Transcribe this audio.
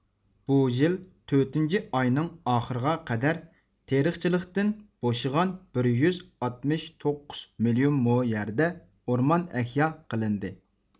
بۇ يىل تۆتىنچى ئاينىڭ ئاخىرىغا قەدەر تېرىقچىلىقتىن بوشىغان بىر يۈز ئاتمىش توققۇز مىليون مو يەردە ئورمان ئەھيا قىلىندى